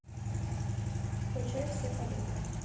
включай все подряд